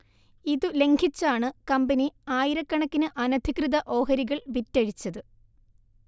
ഇതു ലംഘിച്ചാണ് കമ്പനി ആയിരക്കണക്കിന് അനധികൃത ഓഹരികൾ വിറ്റഴിച്ചത്